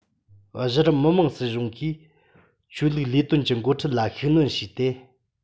གཞི རིམ མི དམངས སྲིད གཞུང གིས ཆོས ལུགས ལས དོན གྱི འགོ ཁྲིད ལ ཤུགས སྣོན བྱས ཏེ